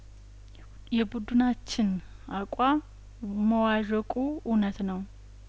የቡድናችን አቋም መ ዋዠቁ እውነት ነው